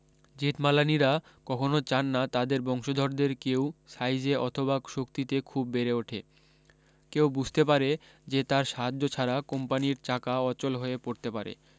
জেঠমালানিরা কখনো চান না তাদের বংশধরদের কেউ সাইজে অথবা শক্তিতে খুব বেড়ে ওঠে কেউ বুঝতে পারে যে তার সাহায্য ছাড়া কোম্পানির চাকা অচল হয়ে পড়তে পারে